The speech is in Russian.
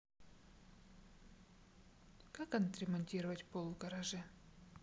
как отремонтировать пол в гараже